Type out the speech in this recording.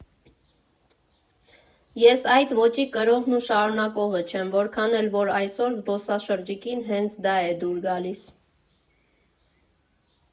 Ես այդ ոճի կրողն ու շարունակողը չեմ, որքան էլ որ այսօր զբոսաշրջիկին հենց դա է դուր գալիս։